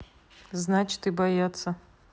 значит и боятся